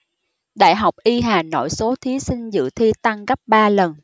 đại học y hà nội số thí sinh dự thi tăng gấp ba lần